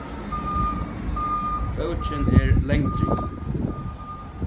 bókin er langdrigin